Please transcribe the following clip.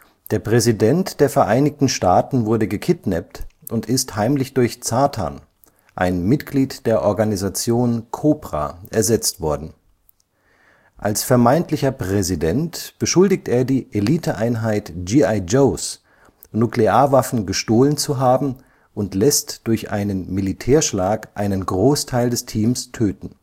Der Präsident der Vereinigten Staaten wurde gekidnappt und ist heimlich durch Zartan, ein Mitglied der Organisation „ Cobra “, ersetzt worden. Als vermeintlicher „ Präsident “beschuldigt er die Eliteeinheit G.I. Joes, Nuklearwaffen gestohlen zu haben und lässt durch einen Militärschlag einen Großteil des Teams töten